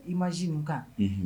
Images ninnu kan, unhun.